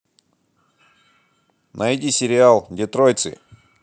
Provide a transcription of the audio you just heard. найди сериал детройцы